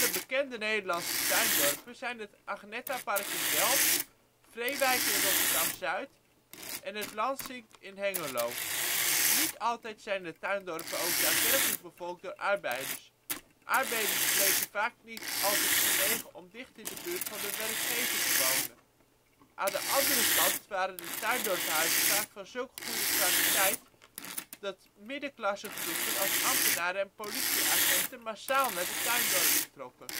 bekende Nederlandse tuindorpen zijn het Agnetapark in Delft, Vreewijk in Rotterdam-Zuid en Het Lansink in Hengelo. Niet altijd zijn de tuindorpen ook daadwerkelijk bevolkt door arbeiders. Arbeiders bleken vaak niet altijd genegen om dicht in de buurt van hun werkgever te wonen. Aan de andere kant waren de tuindorp-huizen vaak van zulk goede kwaliteit, dat middenklassen-groepen als ambtenaren en politieagenten massaal naar de tuindorpen trokken